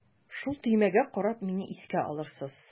Шул төймәгә карап мине искә алырсыз.